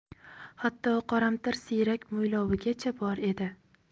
hatto qoramtir siyrak mo'ylovigacha bor edi